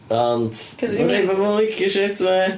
Ond... Achos. ...Ma' rhei pobl yn licio'r shit ma ia.